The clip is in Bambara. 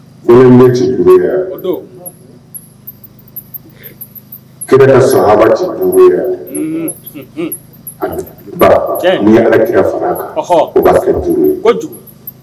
n'i ye Ala kira fara a kan o b'a kɛ 5 ye